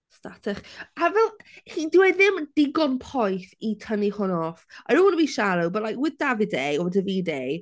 Statich. A fel dyw e ddim digon poeth i tynnu hwnna off. I don't want to be shallow but like with Davide or Davide...